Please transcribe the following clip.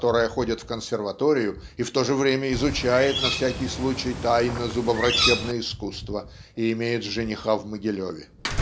которая ходит в консерваторию и в то же время изучает на всякий случай тайно зубоврачебное искусство и имеет жениха в Могилеве".